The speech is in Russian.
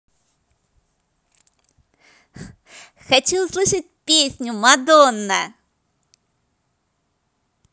хочу услышать песню madonna